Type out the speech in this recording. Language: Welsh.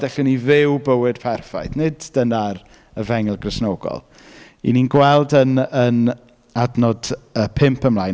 Allwn ni fyw bywyd perffaith. Nid dyna'r efengyl Gristnogol. ‘Y ni'n gweld yn, yn, adnodd, yy pump ymlaen.